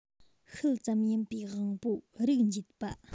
ཤུལ ཙམ ཡིན པའི དབང པོ རིགས འབྱེད པ